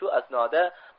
shu asnoda